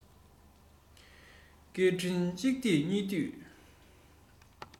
སྐད འཕྲིན གཅིག བརྒྱུད གཉིས བརྒྱུད